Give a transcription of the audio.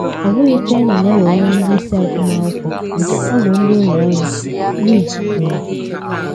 “Ọbụghị China na eweghara ndị isi agụmakwụkwọ; ọ bụ ndị ụlọ ọrụ,” Lee kwuru.